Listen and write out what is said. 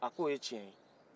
a ko ye tiɲɛ